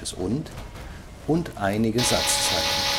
&“) und einige Satzzeichen